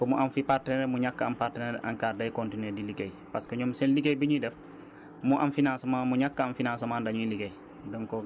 que mu am fii partenaire mu ñàkk a am partenaire ANCAR day continuer di liggéey parce que ñoom seen liggéey bi ñuy def mu am financement mu ñàkk a am financement dañuy liggéey